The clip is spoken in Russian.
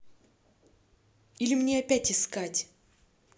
или мне опять искать